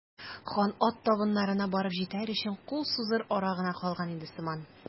Хан ат табыннарына барып җитәр өчен кул сузыр ара гына калган иде сыман.